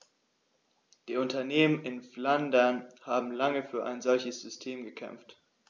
Die Unternehmen in Flandern haben lange für ein solches System gekämpft.